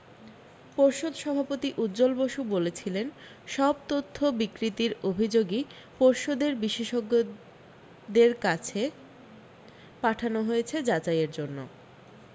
পর্ষদ সভাপতি উজ্জ্বল বসু বলেছিলেন সব তথ্য বিকৃতীর অভি্যোগি পর্ষদের বিশেষজ্ঞদের কাছে পাঠানো হয়েছে যাচাইয়ের জন্য